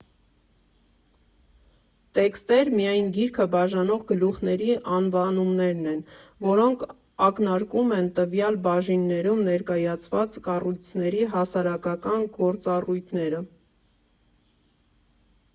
Տեքստեր միայն գիրքը բաժանող գլուխների անվանումներն են, որոնք ակնարկում են տվյալ բաժիններում ներկայացված կառույցների հասարակական գործառույթները։